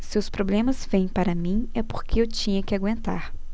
se os problemas vêm para mim é porque eu tinha que aguentar